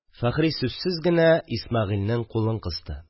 Фәхри сүзсез генә Исмәгыйльнең кулын кысты.